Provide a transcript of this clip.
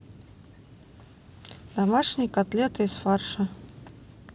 домашние котлеты из фарша